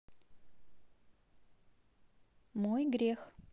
мой грех